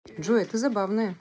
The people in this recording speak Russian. джой а ты забавная